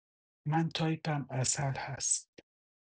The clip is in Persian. من تایپم عسل هست